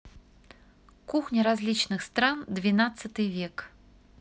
кухня различных стран двенадцатый век